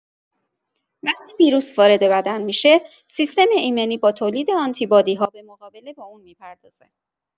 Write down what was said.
وقتی ویروس وارد بدن می‌شه، سیستم ایمنی با تولید آنتی‌بادی‌ها به مقابله با اون می‌پردازه.